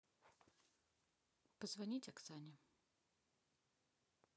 позвонить оксане